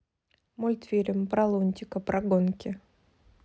мультфильм про лунтика про гонки